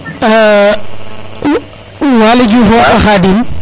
Waly Diouf o fo Khadim